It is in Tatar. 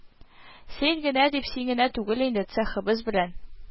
Син генә дип, син генә түгел инде: цехыбыз белән